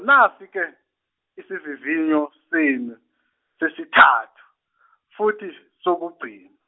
nasi ke isivivinyo senu sesithathu futhi sokugcina.